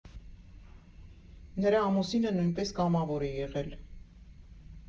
Նրա ամուսինը նույնպես կամավոր է եղել.